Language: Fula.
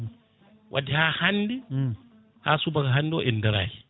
wadde ha hande ha subaka hande o en daraki